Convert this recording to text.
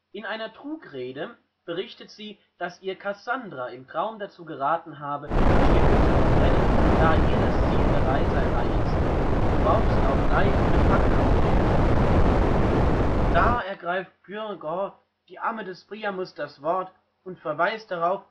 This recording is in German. In einer Trugrede berichtet sie, dass ihr Cassandra im Traum dazu geraten habe, die Schiffe zu verbrennen, da hier das Ziel der Reise erreicht sei, worauf sie auch gleich eine Fackel auf die Schiffe wirft. Da ergreift Pyrgo, die Amme des Priamus, das Wort und verweist darauf